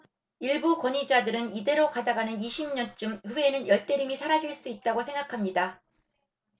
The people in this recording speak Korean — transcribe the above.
일부 권위자들은 이대로 가다가는 이십 년쯤 후에는 열대림이 사라질 수도 있다고 생각합니다